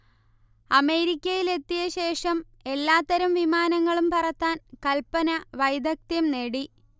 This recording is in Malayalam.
അമേരിക്കയിലെത്തിയ ശേഷം എല്ലാത്തരം വിമാനങ്ങളും പറത്താൻ കൽപന വൈദഗ്ദ്ധ്യം നേടി